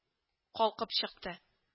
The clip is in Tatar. Калкып чыкты